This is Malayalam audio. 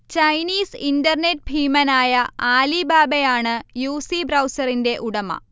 ചൈനീസ് ഇന്റർനെറ്റ് ഭീമനായ ആലിബാബയാണ് യുസി ബ്രൗസറിന്റെ ഉടമ